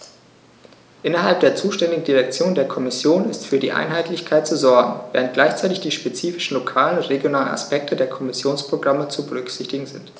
Innerhalb der zuständigen Direktion der Kommission ist für Einheitlichkeit zu sorgen, während gleichzeitig die spezifischen lokalen und regionalen Aspekte der Kommissionsprogramme zu berücksichtigen sind.